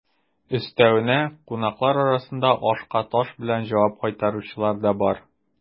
Өстәвенә, кунаклар арасында ашка таш белән җавап кайтаручылар да бар.